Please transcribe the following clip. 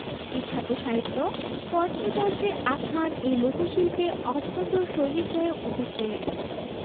বিখ্যাত সাহিত্য পঞ্চতন্ত্রের আখ্যান এই লোকশিল্পে অত্যন্ত সজীব হয়ে উঠেছে